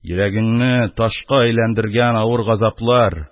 Йөрәгеңне ташка әйләндергән авыр газаплар,